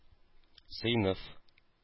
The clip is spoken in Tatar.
Сыйныф